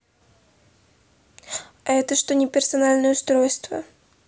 а это что не персональное устройство